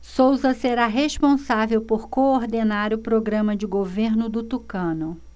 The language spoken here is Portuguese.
souza será responsável por coordenar o programa de governo do tucano